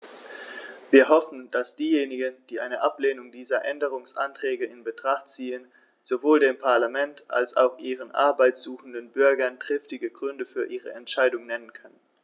Wir hoffen, dass diejenigen, die eine Ablehnung dieser Änderungsanträge in Betracht ziehen, sowohl dem Parlament als auch ihren Arbeit suchenden Bürgern triftige Gründe für ihre Entscheidung nennen können.